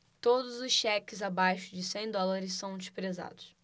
todos os cheques abaixo de cem dólares são desprezados